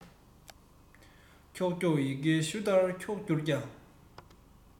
ཀྱོག ཀྱོག ཡི གེ གཞུ ལྟར འཁྱོག གྱུར ཀྱང